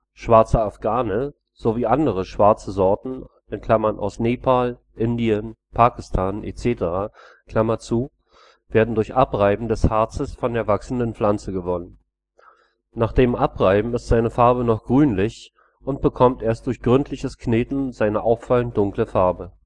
Schwarzer Afghane” sowie andere „ schwarze “Sorten (aus Nepal, Indien, Pakistan etc.) werden durch Abreiben des Harzes von der wachsenden Pflanze gewonnen. Nach dem Abreiben ist seine Farbe noch grünlich und bekommt erst durch gründliches Kneten seine auffallend dunkle Farbe